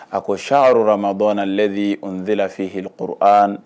A ko saroma bamanan lɛdi n de lafifi hkɔrɔ